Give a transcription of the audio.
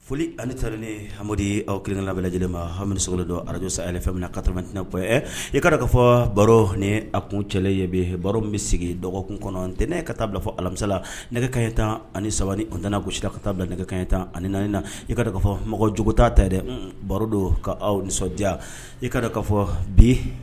Foli ani tari ni ha amadudi aw kelennen labɛn lajɛlen ma hamiso dɔ arajo sa ale fɛ minɛ katatiina kuwa i ka'a fɔ baro ni a kun cɛlen ye bi baro bɛ sigi dɔgɔkun kɔnɔ nt ne ka taa bila fɔ alamisala nɛgɛ kaɲɛ tan ani sabali o tɛna gosisi ka taa bila nɛgɛkanɲɛ tan ani naina i kaa ka fɔ mɔgɔjuguta ta dɛ baro don kaaw nisɔndiya i ka da k'a fɔ bi